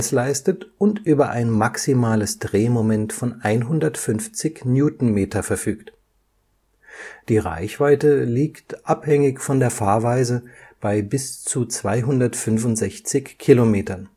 leistet und über ein maximales Drehmoment von 150 Nm verfügt. Die Reichweite liegt – abhängig von der Fahrweise – bei bis zu 265 Kilometern